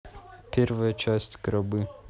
первая часть гробы